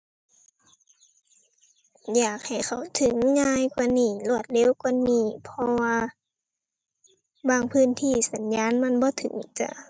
อยากให้เข้าถึงง่ายกว่านี้ รวดเร็วกว่านี้ เพราะว่าบางพื้นที่สัญญาณมันบ่ถึงจ้ะ